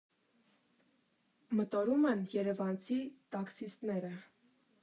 Մտորում են երևանցի տաքսիստները։